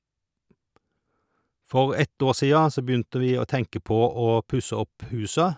For ett år sia så begynte vi å tenke på å pusse opp huset.